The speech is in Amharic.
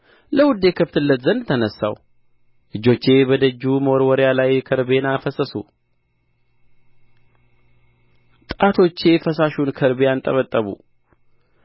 ለውዴ እከፍትለት ዘንድ ተነሣሁ እጆቼ በደጅ መወርወሪያ ላይ ከርቤን አፈሰሱ ጣቶቼ ፈሳሹን ከርቤ አንጠበጠቡ